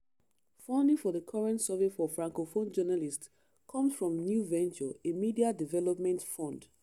Funding for the current survey for francophone journalists comes from New Venture, a media development fund.